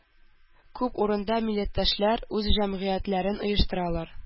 Күп урында милләттәшләр үз җәмгыятьләрен оештыралар